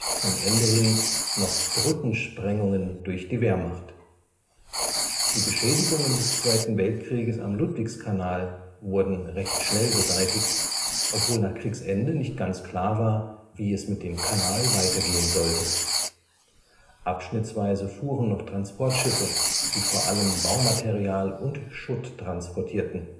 zum Ende hin noch Brückensprengungen durch die Wehrmacht. Die Beschädigungen des Zweiten Weltkrieges am Ludwigskanal wurden recht schnell beseitigt, obwohl nach Kriegsende nicht ganz klar war, wie es mit dem Kanal weitergehen sollte. Abschnittsweise fuhren noch Transportschiffe, die vor allem Baumaterial und Schutt transportierten